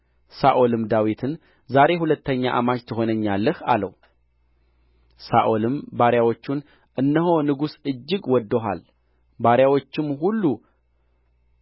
ሳኦልም ዳዊትን ዛሬ ሁለተኛ አማች ትሆነኛለህ አለው ሳኦልም ባሪያዎቹን እነሆ ንጉሥ እጅግ ወድዶሃል ባሪያዎቹም ሁሉ